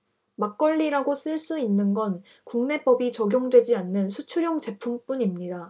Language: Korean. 막걸리라고 쓸 수 있는 건 국내법이 적용되지 않는 수출용 제품뿐 입니다